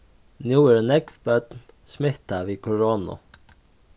nú eru nógv børn smittað við koronu